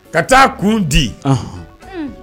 Ka taa kun di